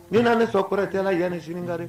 Ni naani ne sɔnɔrɛ tɛ la yanani sinika